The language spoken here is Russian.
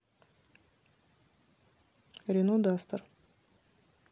рено дастер